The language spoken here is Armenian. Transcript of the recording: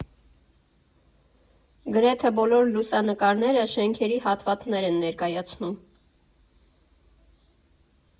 Գրեթե բոլոր լուսանկարները շենքերի հատվածներ են ներկայացնում.